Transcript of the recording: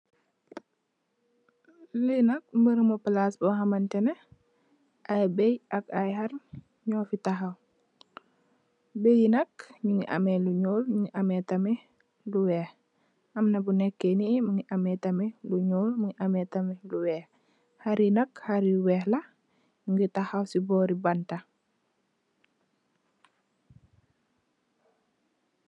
Li nak barabi palas boxamtene ay bëy ak ay xàr ño fi taxaw bëy yi nak mugii ameh lu ñuul ñu ngi ameh tamit lu wèèx am na bu nekkee ni mugii ameh tamit lu ñuul mugii ameh tamit lu wèèx, xàr yi nak xàr yu wèèx la ñu ngi taxaw ci bóri banta.